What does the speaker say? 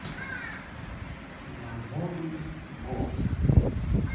на новый год